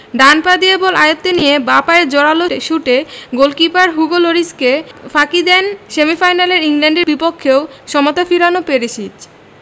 ডান পা দিয়ে বল আয়ত্তে নিয়ে বাঁ পায়ের জোরালো শটে গোলকিপার হুগো লরিসকে ফাঁকি দেন সেমিফাইনালে ইংল্যান্ডের বিপক্ষেও সমতা ফেরানো পেরিসিচ